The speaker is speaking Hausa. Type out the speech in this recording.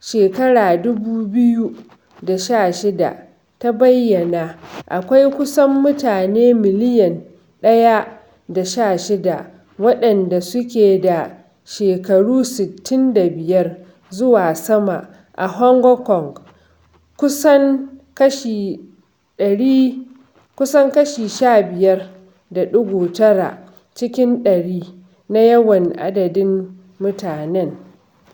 2016 ta bayyana, akwai kusan mutane miliyan 1.16 waɗanda suke da shekaru 65 zuwa sama a Hong Kong - kusan kashi 15.9 cikin ɗari na yawan adadin mutanen.